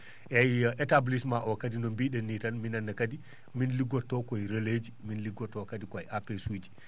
eeyi établissement o kadi no mbi?en ni tan minenne kadi min liggotto koye relais ji min liggotto kadi koye APS suji